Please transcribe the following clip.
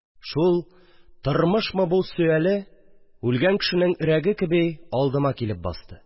Шул «Тормышмы бу?» сөале, үлгән кешенең өрәге кеби, алдыма килеп басты